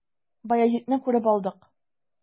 Баязитны күреп алдык.